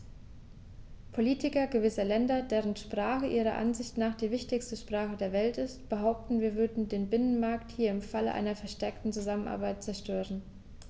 Politiker gewisser Länder, deren Sprache ihrer Ansicht nach die wichtigste Sprache der Welt ist, behaupten, wir würden den Binnenmarkt hier im Falle einer verstärkten Zusammenarbeit zerstören.